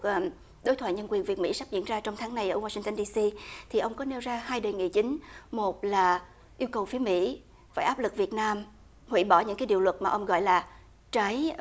đối thoại nhân quyền việt mỹ sắp diễn ra trong tháng này ở oa sing tơn đi xi thì ông có nêu ra hai đề nghị chính một là yêu cầu phía mỹ phải áp lực việt nam hủy bỏ những điều luật mà ông gọi là trái